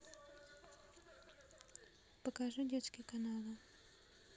покажи детские каналы